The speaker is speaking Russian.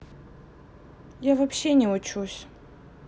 я вообще не учусь